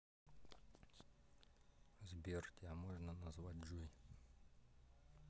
сбер тебя можно назвать джой